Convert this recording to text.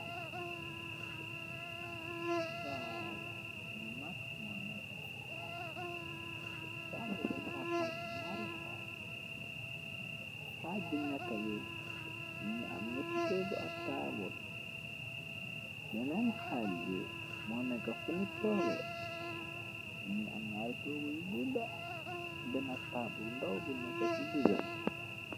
Saal bu mag moo nekani faabuwe xax xaaj maare xaaj xaaj bu ñakkawe nuni am ñetti toogu ak taabalu benen xaaj we moo nekka funi tooge nani am ngaal toogu y gudda ben ak taabulu ndaw bu nekka ci digabi.